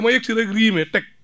ma yegg si rek riime teg